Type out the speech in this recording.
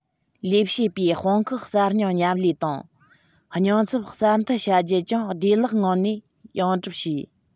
ལས བྱེད པའི དཔུང ཁག གསར རྙིང མཉམ ལས དང རྙིང ཚབ གསར མཐུད བྱ རྒྱུ ཅུང བདེ བླག ངང ནས ཡོངས གྲུབ བྱས